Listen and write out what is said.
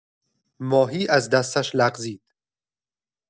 ماهی از دستش لغزید